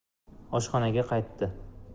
oshxonaga qaytdi